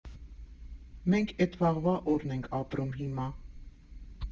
Մենք էդ վաղվա օրն ենք ապրում հիմա։